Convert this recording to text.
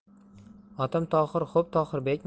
otim tohir xo'p tohirbek